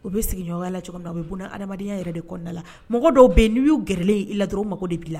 U bɛ sigiɲɔgɔnya la cogo min na u bɛ ni adamadenyaya yɛrɛ de kɔnɔna la mɔgɔ dɔw bɛ yen n'u y'u gɛrɛlen i la dɔrɔn mako de b' la